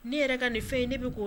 Ne yɛrɛ ka nin fɛn yen ne bɛ